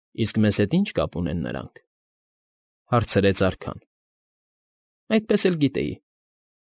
Իսկ մեզ հետ ի՞նչ կապ ունեն նրանք,֊ հարցրեց արքան։ ֊ Այդպես էլ գիտեի։